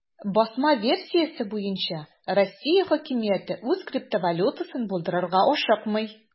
Басма версиясе буенча, Россия хакимияте үз криптовалютасын булдырырга ашыкмый.